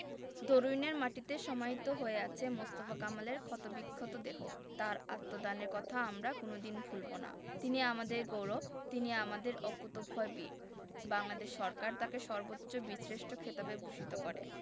দরুইনের মাটিতে সমাহিত হয়ে আছে মোস্তফা কামালের ক্ষতবিক্ষত দেহ তাঁর আত্মদানের কথা আমরা কোনো দিন ভুলব না তিনি আমাদের গৌরব তিনি আমাদের অকুতোভয় বীর বাংলাদেশ সরকার তাঁকে সর্বোচ্চ বীরশ্রেষ্ঠ খেতাবে ভূষিত করে